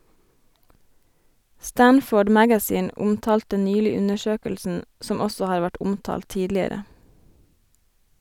Stanford magazine omtalte nylig undersøkelsen, som også har vært omtalt tidligere.